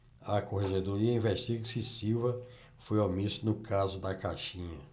a corregedoria investiga se silva foi omisso no caso da caixinha